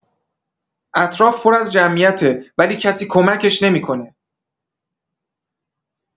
اطراف پر از جمعیته، ولی کسی کمکش نمی‌کنه.